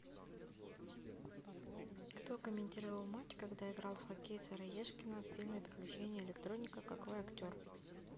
кто комментировал матч когда играл в хоккей сыроежкина в фильме приключения электроника какой актер